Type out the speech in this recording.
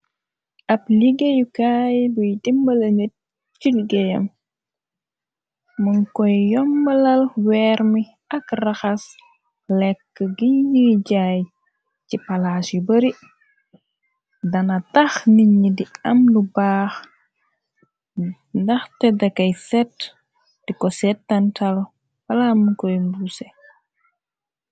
Ab liggéeyukaay buy dimbala nit ci liggéeyam. Muñ koy yombalal weer mi ak rahas lekk gi ñuy jaay ci palaas yu bari dana taj nit ñi di am lu baah ndah te dakay set di ko setantal balaa mu koy mbuuse.